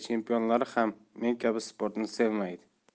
chempionlari ham men kabi sportni sevmaydi